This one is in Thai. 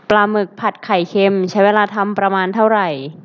ปลาหมึกผัดไข่เค็มใช้เวลาทำประมาณเท่าไหร่